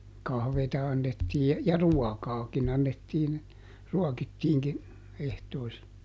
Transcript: kahvia annettiin ja ruokaakin annettiin ruokittiinkin ehtoisin